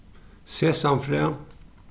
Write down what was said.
sesamfræ